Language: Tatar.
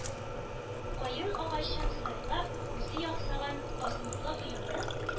Каен агачын сайлап, үзе ясаган басмалы ояны